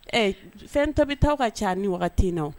Ɛɛ fɛntɔ bɛ taa ka ca ni waati wagati na